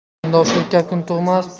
kundoshlikka kun tug'mas